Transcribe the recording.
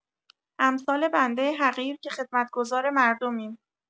امثال بنده حقیر که خدمتگزار مردمیم.